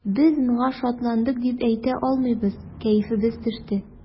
Без моңа шатландык дип әйтә алмыйбыз, кәефебез төште.